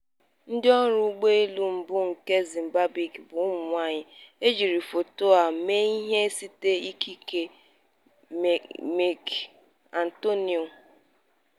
Ndịọrụ ụgbọelu mbụ nke Mozambique bụ ụmụnwaanyị | E jiri foto a mee ihe site n'ikike Meck Antonio.